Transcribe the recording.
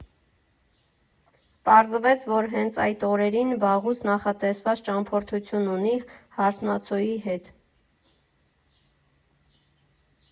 Պարզվեց, որ հենց այդ օրերին վաղուց նախատեսված ճամփորդություն ունի հարսնացուի հետ։